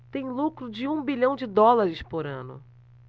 tem lucro de um bilhão de dólares por ano